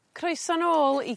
Croeso nôl i...